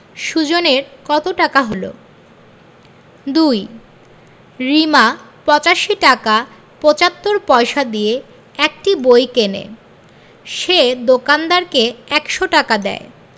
সুজনের কত টাকা হলো ২ রিমা ৮৫ টাকা ৭৫ পয়সা দিয়ে একটি বই কিনে সে দোকানদারকে ১০০ টাকা দেয়